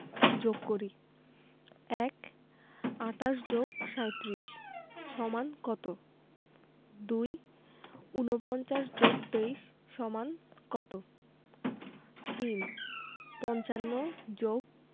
যোগ করিঃ ১ ২৮ + ৩৭ = কত ২ ৪৯ + ২৩ = কত ৩ ৫৫ +